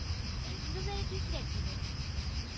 Әйтегез әле тизрәк? — дигәннәр